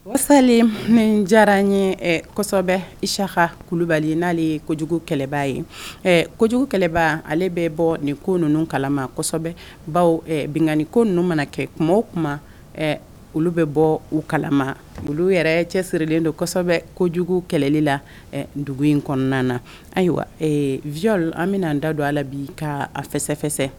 O salen ni diyara n ye kosɛbɛ i sakabali n'ale ye kojugu kɛlɛba ye ko kojugu kɛlɛba ale bɛ bɔ nin ko ninnu kalama kosɛbɛ baw binani ko ninnu mana kɛ tuma o tuma olu bɛ bɔ u kala olu yɛrɛ cɛsirilen don kosɛbɛ kojugu kɛlɛli la dugu in kɔnɔna na ayiwa vy an bɛna an da don a la bi ka fɛsɛsɛsɛ